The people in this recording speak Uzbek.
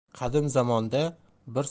qadim zamonda bir